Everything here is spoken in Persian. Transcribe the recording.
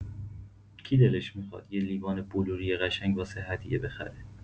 کی دلش می‌خواد یه لیوان بلوری قشنگ واسه هدیه بخره؟